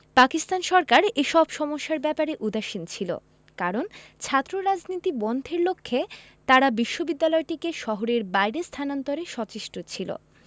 পাকিস্তান সরকার এসব সমস্যার ব্যাপারে উদাসীন ছিল কারণ ছাত্ররাজনীতি বন্ধের লক্ষ্যে তারা বিশ্ববিদ্যালয়টিকে শহরের বাইরে স্থানান্তরে সচেষ্ট ছিল